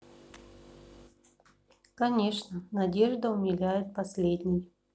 конечно надежда умиляет последний